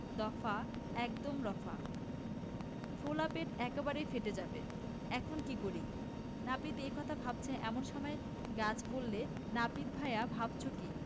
দফা একদম রফা ফোলা পেট এবারে ফেটে যাবে এখন করি কী নাপিত এই কথা ভাবছে এমন সময় গাছ বললে নাপিত ভায়া ভাবছ কী